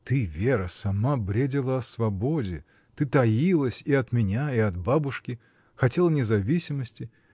— Ты, Вера, сама бредила о свободе, ты таилась и от меня, и от бабушки, хотела независимости.